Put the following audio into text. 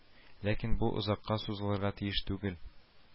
Ләкин бу озакка сузылырга тиеш түгел